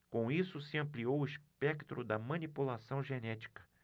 com isso se ampliou o espectro da manipulação genética